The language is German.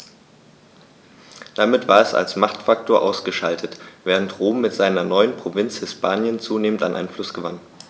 Damit war es als Machtfaktor ausgeschaltet, während Rom mit seiner neuen Provinz Hispanien zunehmend an Einfluss gewann.